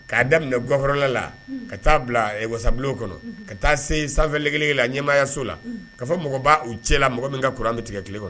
K' daminɛ gaɔrɔnla la ka taa bila wasanbilen kɔnɔ ka taa se sanfɛlɛ la ɲɛmaayaso la ka fɔ mɔgɔba u cɛ la mɔgɔ min kauran bɛ tigɛ kelen kɔnɔ